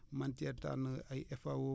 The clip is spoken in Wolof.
man cee tànn ay FAO